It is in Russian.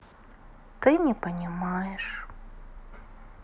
ты не понимаешь